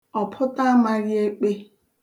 ọ̀pụtaāmāghịekpe